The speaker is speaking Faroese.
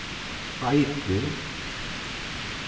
beitið